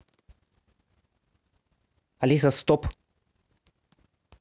алиса стоп